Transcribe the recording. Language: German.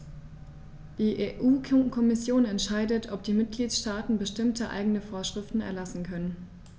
Die EU-Kommission entscheidet, ob die Mitgliedstaaten bestimmte eigene Vorschriften erlassen können.